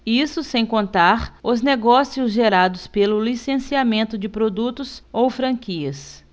isso sem contar os negócios gerados pelo licenciamento de produtos ou franquias